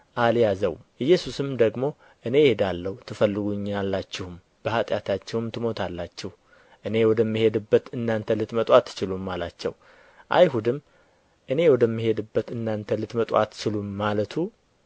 አልያዘውም ኢየሱስም ደግሞ እኔ እሄዳለሁ ትፈልጉኛላችሁም በኃጢአታችሁም ትሞታላችሁ እኔ ወደምሄድበት እናንተ ልትመጡ አትችሉም አላቸው አይሁድም እኔ ወደ ምሄድበት እናንተ ልትመጡ አትችሉም ማለቱ